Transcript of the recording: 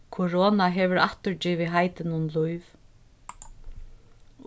korona hevur aftur givið heitinum lív